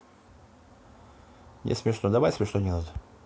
не смешно давай смешной анекдот